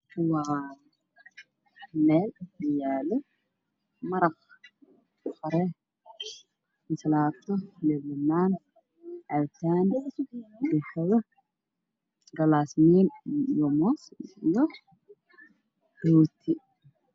Waa meel ay yaalaan maraq, ansalaato, liin dhanaan iyo cabitaan, galaas, moos iyo rooti.